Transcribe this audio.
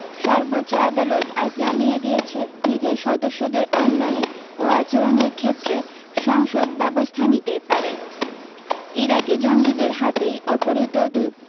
সর্বোচ্চ আদালত আজ জানিয়ে দিয়েছে নিজের সদস্যদের অন্যায়েও আচরণের ক্ষেত্রে সংসদ ব্যবস্থা নিতেই পারে ইরাকি জঙ্গিদের হাতেই অপহৃত দুই